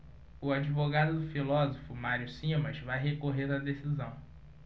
o advogado do filósofo mário simas vai recorrer da decisão